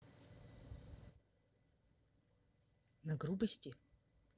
на грубости